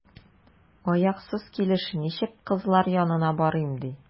Аяксыз килеш ничек кызлар янына барыйм, ди?